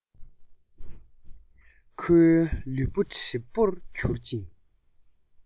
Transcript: ཁོའི ལུས པོ གྲིམ པོར གྱུར ཅིང